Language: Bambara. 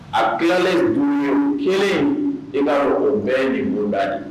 A tilalen dugu kelen i b'a o bɛɛ ninbonda ye